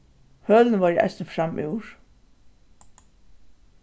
hølini vóru eisini framúr